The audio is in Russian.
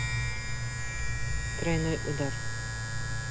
тройной удар